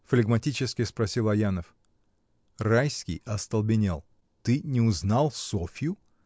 — флегматически спросил Аянов. Райский остолбенел. — Ты не узнал Софью?